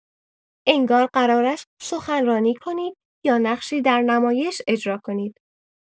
انگار قرار است سخنرانی کنید یا نقشی در نمایش اجرا کنید.